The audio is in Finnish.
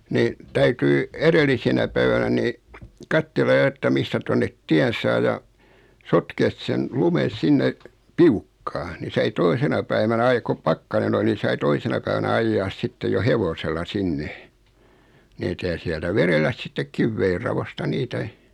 niin täytyi edellisenä päivänä niin katsella jo että mistä tuonne tien saa ja sotkea sen lumen sinne piukkaan niin sai toisena päivänä aina kun pakkanen oli niin sai toisena - päivänä ajaa sitten jo hevosella sinne niitä ja sieltä vedellä sitten kivienraosta niitä